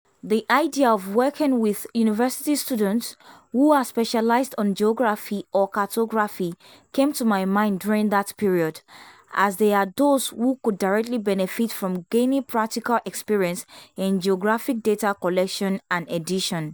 The idea of working with university students, who are specialized on Geography/Cartography came to my mind during that period, as they are those who could directly benefit from gaining practical experience in geographic data collection and edition.